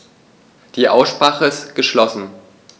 Die Aussprache ist geschlossen.